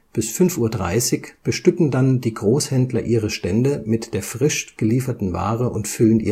bis 5:30 Uhr bestücken dann die Großhändler ihre Stände mit der frisch gelieferten Ware und füllen